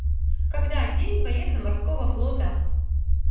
когда день военно морского флота